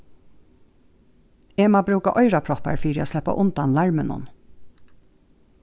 eg má brúka oyraproppar fyri at sleppa undan larminum